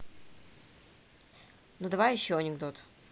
ну давай еще анекдот